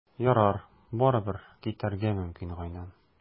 Ярар, барыбер, китәргә мөмкин, Гайнан.